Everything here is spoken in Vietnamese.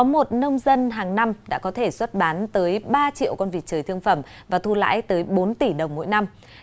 có một nông dân hàng năm đã có thể xuất bán tới ba triệu con vịt trời thương phẩm và thu lãi tới bốn tỷ đồng mỗi năm